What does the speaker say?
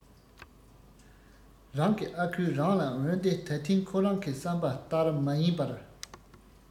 རང གི ཨ ཁུས རང ལ འོན ཏེ ད ཐེངས ཁོ རང གི བསམ པ ཏར མ ཡིན པར